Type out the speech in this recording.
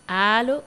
Aa